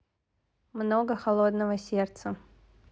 много холодного сердца